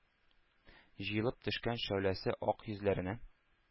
Җыелып, төшкән шәүләсе ак йөзләренә.